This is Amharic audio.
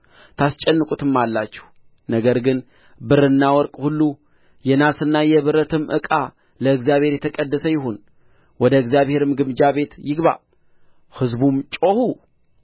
ታስጨንቁትማላችሁ ነገር ግን ብርና ወርቅ ሁሉ የናስና የብረትም ዕቃ ለእግዚአብሔር የተቀደሰ ይሁን ወደ እግዚአብሔርም ግምጃ ቤት ይግባ ሕዝቡም ጮኹ